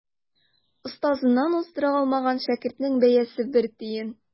Остазыннан уздыра алмаган шәкертнең бәясе бер тиен.